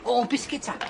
O biscuit ta.